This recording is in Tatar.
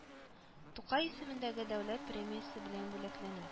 Тукай исемендәге Дәүләт премиясе белән бүләкләнә